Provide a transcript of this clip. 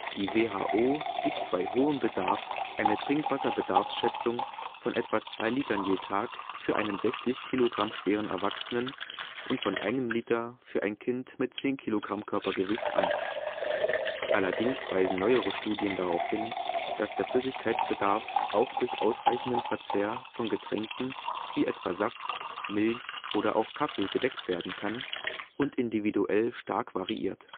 Die WHO gibt bei „ hohem Bedarf “eine Trinkwasserbedarfsschätzung von etwa zwei Litern je Tag für einen 60 kg schweren Erwachsenen und von einem Liter für ein Kind mit 10 kg Körpergewicht an. Allerdings weisen neuere Studien darauf hin, dass der Flüssigkeitsbedarf auch durch ausreichenden Verzehr von Getränken wie etwa Saft, Milch oder auch Kaffee gedeckt werden kann und individuell stark variiert